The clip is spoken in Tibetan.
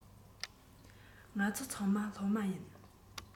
ང ཚོ ཚང མ སློབ མ ཡིན